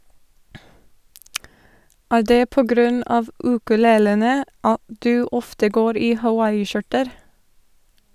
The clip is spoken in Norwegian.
- Er det på grunn av ukulelene at du ofte går i hawaiiskjorter?